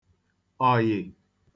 ọ̀yị̀